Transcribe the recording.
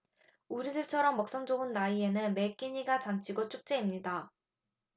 우리들처럼 먹성 좋은 나이에는 매 끼니가 잔치고 축제입니다